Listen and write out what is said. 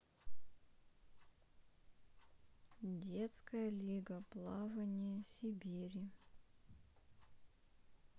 детская лига плавания сибири